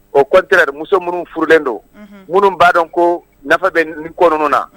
Ɔ kɔɔriteri muso minnu furulen don minnu b'a dɔn ko nafa bɛ kɔnɔna na